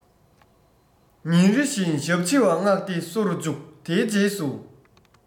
ཉིན རེ བཞིན ཞབས ཕྱི བ མངགས ཏེ གསོ རུ བཅུག དེའི རྗེས སུ